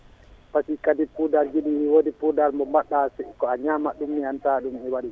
pasqui kadi poudar ji ɗi ɗi wodi poudar mo mbaɗɗa ko ñamat ɗum ni hen saaji ɗum waɗi